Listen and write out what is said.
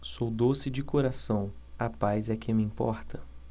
sou doce de coração a paz é que me importa